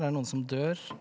det er noen som dør.